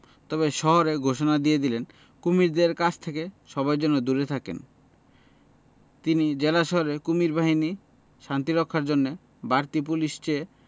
তবে শহরে ঘোষণা দিয়ে দিলেন কুমীরদের কাছ থেকে সবাই যেন দূরে থাকেন তিনি জেলা শহরে কুমীর বাহিনী শান্তি রক্ষার জন্যে বাড়তি পুলিশ চেয়ে